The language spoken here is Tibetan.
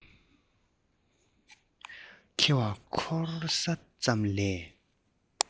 ཁེ བ འཁོར ས ཙམ ལས